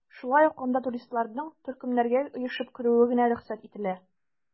Шулай ук анда туристларның төркемнәргә оешып керүе генә рөхсәт ителә.